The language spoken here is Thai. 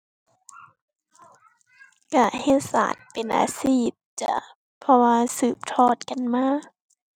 ก็เฮ็ดสาดเป็นอาชีพจ้ะ เพราะว่าสืบทอดกันมา